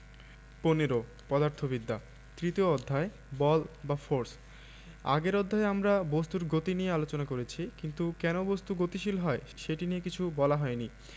১৫ পদার্থবিদ্যা তৃতীয় অধ্যায় বল বা ফোরস আগের অধ্যায়ে আমরা বস্তুর গতি নিয়ে আলোচনা করেছি কিন্তু কেন বস্তু গতিশীল হয় সেটি নিয়ে কিছু বলা হয়নি